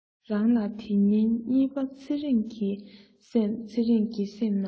རང ལ དེའི ཉིན གཉིས པར ཚེ རིང གི བསམ ཚེ རིང གི སེམས ནང